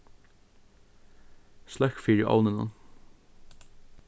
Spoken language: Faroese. sløkk fyri ovninum